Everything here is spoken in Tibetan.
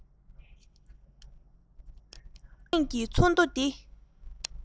བགྲོ གླེང གི ཚོགས འདུ འདི